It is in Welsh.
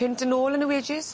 Punt yn ôl yn y wedjis?